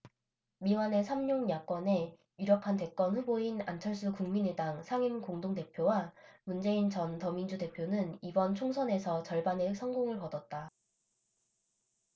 미완의 삼룡 야권의 유력한 대권후보인 안철수 국민의당 상임공동대표와 문재인 전 더민주 대표는 이번 총선에서 절반의 성공을 거뒀다